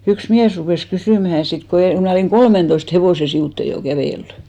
yksi mies rupesi kysymään sitten kun en minä olin kolmentoista hevosen sivuitse jo kävellyt